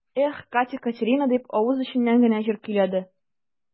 Эх, Катя-Катерина дип, авыз эченнән генә җыр көйләде.